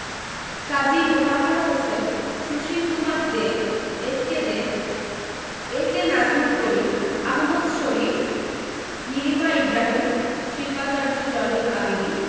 Kazi Motahar Hossain Sushil Kumar De S K De A K Nazmul Karim Ahmad Sharif Nilima Ibrahim Shilpacharya Zainul Abedin